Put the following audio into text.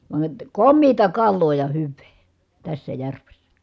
vaan komeaa kalaa ja hyvää tässä järvessä